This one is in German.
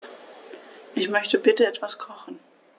Ich möchte bitte etwas kochen.